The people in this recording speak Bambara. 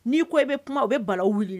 N'i ko i bɛ kuma o bɛ bala wuli